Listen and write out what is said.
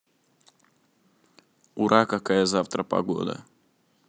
ура какая завтра погода